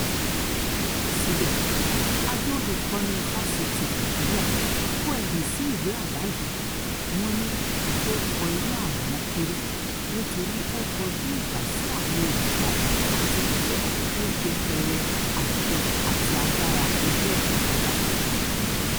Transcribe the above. Síbẹ̀, Àjọ Olùkọ́ni Ifásitìi Nàìjíríà kọ ẹ̀yìn sí ìwé àbá yìí, wọ́n ní ó kọ iyán àwọn kéré, nítorí ó kọjú ìjà sí àwọn olùkọ́ àti wípé ó yẹpẹrẹ àṣẹ àti agbára ilé ẹ̀kọ́ gíga.